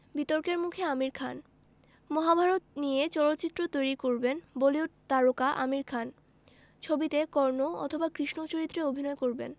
বিতর্কের মুখে আমির খান মহাভারত নিয়ে চলচ্চিত্র তৈরি করবেন বলিউড তারকা আমির খান ছবিতে কর্ণ অথবা কৃষ্ণ চরিত্রে অভিনয়ও করবেন